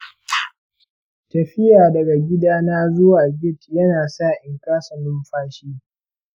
tafiya daga gida na zuwa gate yana sa ina ƙasa numfashi